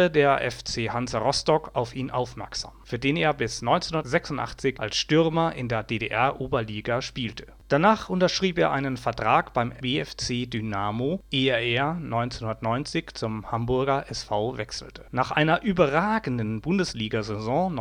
der F.C. Hansa Rostock auf ihn aufmerksam, für den er bis 1986 als Stürmer in der DDR-Oberliga spielte. Danach unterschrieb er einen Vertrag beim BFC Dynamo, ehe er 1990 zum Hamburger SV wechselte. Nach einer überragenden Bundesliga-Saison